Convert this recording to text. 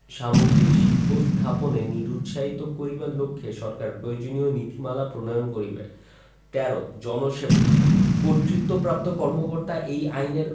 সামগ্রীর শিল্প স্থাপনে নিরুৎসাহিত করিবার লক্ষ্যে সরকার প্রয়োজনীয় নীতিমালা প্রণয়ন করিবে ১৩ জনসেবকঃ কর্তৃত্বপ্রাপ্ত কর্মকর্তা এই আইনের